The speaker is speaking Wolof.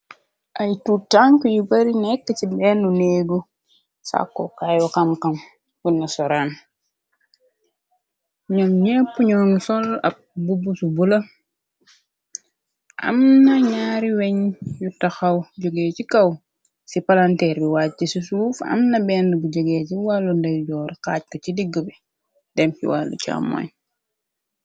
Ay tuuk tank yu bari nekk ci bennu neegu sàkku kaayu xamkam bunasaraan ñoom ñepp ñoo sol ab bu busu bu la am na ñaari weñ yu taxaw jogee ci kaw ci palanteer yu wàcc ci suuf am na benn bu jegee ci wàllu ndëy joor xaajku ci diggu bi dempi wàllu chàmmoon.